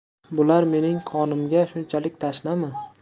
bular mening qonimga shunchalik tashnami